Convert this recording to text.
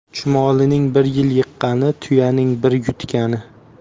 chumolining bir yil yiqqani tuyaning bir yutgani